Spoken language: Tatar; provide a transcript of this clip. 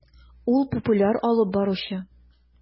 Ул - популяр алып баручы.